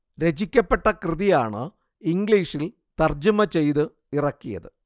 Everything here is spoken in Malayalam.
രചിക്കപ്പെട്ട കൃതി ആണ് ഇംഗ്ലീഷിൽ തർജ്ജുമ ചെയ്തിറക്കിയത്